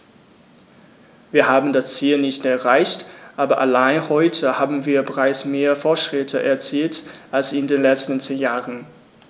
Wir haben das Ziel nicht erreicht, aber allein heute haben wir bereits mehr Fortschritte erzielt als in den letzten zehn Jahren.